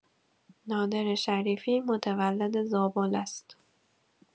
نادر شریفی متولد زابل است.